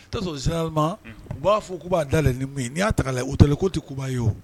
Toujours généralement u n'a fɔ k'u b'a dayɛlɛ ni min ye ,n'i y'a ta ka lajɛ hotel ko tɛ ko ba ye wo